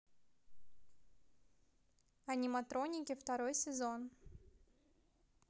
аниматроники второй сезон